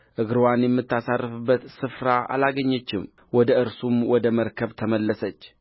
እግርዋን የምታሳርፍበት ስፍራ አላገኘችም ወደ እርሱም ወደ መርከብ ተመለሰች